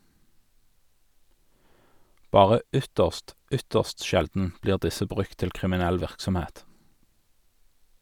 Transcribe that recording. Bare ytterst, ytterst sjelden blir disse brukt til kriminell virksomhet.